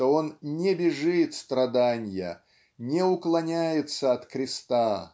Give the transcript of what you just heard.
что он не бежит страданья не уклоняется от креста